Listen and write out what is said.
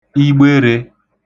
igberē